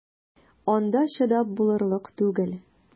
Анда чыдап булырлык түгел!